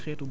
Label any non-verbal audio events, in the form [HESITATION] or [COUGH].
[HESITATION] [HESITATION]